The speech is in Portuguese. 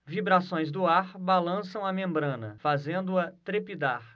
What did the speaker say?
vibrações do ar balançam a membrana fazendo-a trepidar